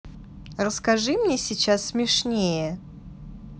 расскажи мне сейчас смешнее